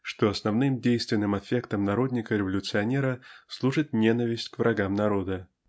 что основным действенным аффектом народника-революционера служит ненависть к врагам народа.